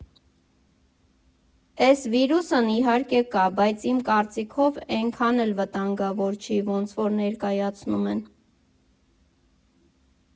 Էս վիրուսն իհարկե կա, բայց իմ կարծիքով էնքան էլ վտանգավոր չի, ոնց որ ներկայացնում են։